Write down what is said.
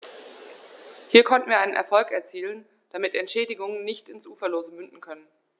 Hier konnten wir einen Erfolg erzielen, damit Entschädigungen nicht ins Uferlose münden können.